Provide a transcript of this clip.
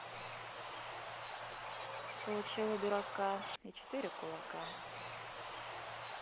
получила дурака и четыре кулака